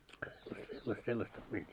-- sellaista peliä